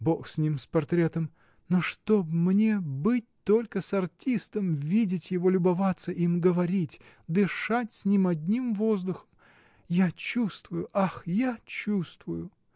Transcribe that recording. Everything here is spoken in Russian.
Бог с ним — с портретом, но чтоб мне быть только с артистом, видеть его, любоваться им, говорить, дышать с ним одним воздухом! Я чувствую, ах, я чувствую.